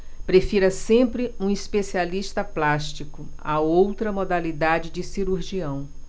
prefira sempre um especialista plástico a outra modalidade de cirurgião